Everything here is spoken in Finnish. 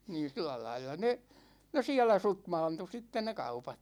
niin sillä lailla ne ne siellä sutmaantui sitten ne kaupat